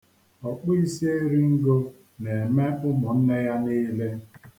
Ọ̀kpụīsieringo na-eme ụmụnne ya niile.